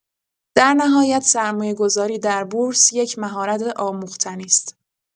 در نهایت، سرمایه‌گذاری در بورس یک مهارت آموختنی است.